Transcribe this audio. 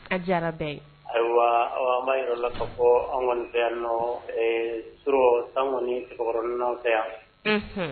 A jara bɛɛ ye; Ayiwa an b'a jira la ka fɔ an kɔnni fɛ yan nɔ, sura san kɔnni sɛbɛkɔrɔ nana an fɛ yan.